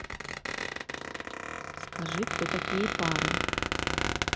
скажи кто такие пары